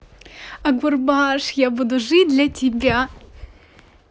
агурбаш я буду жить для тебя